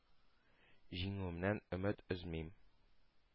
Җиңүемнән өмет өзмим,